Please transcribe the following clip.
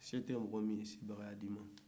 se tɛ mɔgɔ min ye sebagaya ka di